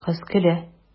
Кыз көлә.